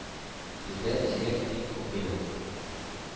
“бездә җиләк бик күп быел.